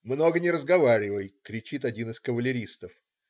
"Много не разговаривай!" - кричит один из кавалеристов.